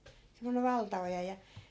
semmoinen valtaoja ja